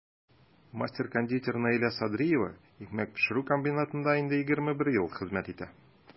Мастер-кондитер Наилә Садриева икмәк пешерү комбинатында инде 21 ел хезмәт итә.